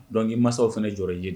Dɔnku'i mansaw fana jɔ ye dɛ